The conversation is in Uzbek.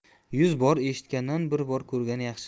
yuz bor eshitgandan bir bor ko'rgan yaxshi